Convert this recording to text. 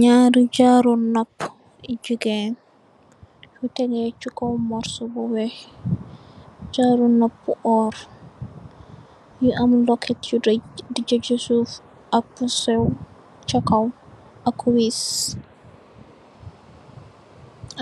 Ñaari jaru nopuh yu jigeen yu tegeh ci kaw morso bu wèèx, jaru nopuh oór, yu am lokut yu ray dijja ci suuf, ak lu séw ci kaw ak wiis,